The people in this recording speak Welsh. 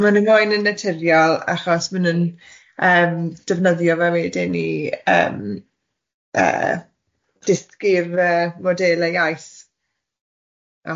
Ma' nhw moyn yn naturiol achos ma nhw'n yym defnyddio fe wedyn i yym yy dysgu'r yy modelau iaith artiffisial.